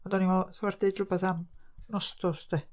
Ond o'n i'n meddwl 'sa well deud wbath am Nostos de.